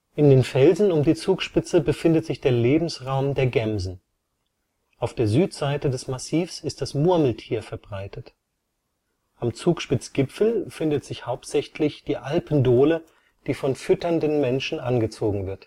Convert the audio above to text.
den Felsen um die Zugspitze befindet sich der Lebensraum der Gämsen. Auf der Südseite des Massivs ist das Murmeltier verbreitet. Am Zugspitzgipfel findet sich hauptsächlich die Alpendohle, die von fütternden Menschen angezogen